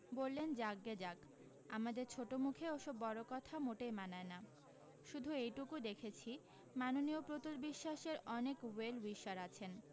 বললেন যাকগে যাক আমাদের ছোটো মুখে ওসব বড় কথা মোটেই মানায় না শুধু এইটুকু দেখেছি মাননীয় প্রতুল বিশ্বাসের অনেক ওয়েল উইশার আছেন